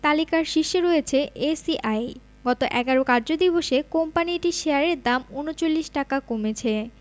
তালিকার শীর্ষে রয়েছে এসিআই গত ১১ কার্যদিবসে কোম্পানিটির শেয়ারের দাম ৩৯ টাকা কমেছে